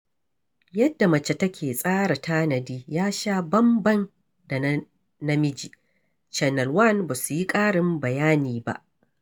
Yadda mace take tsara tanadi ya sha bamban da na namiji, Channel One ba su yi ƙarin bayani ba.